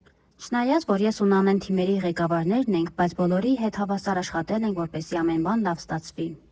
Չնայած որ ես ու Նանեն թիմերի ղեկավարներն ենք, բայց բոլորի հետ հավասար աշխատել ենք, որպեսզի ամեն բան լավ ստացվի։